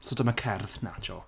So dyma cerdd... na, jôcs.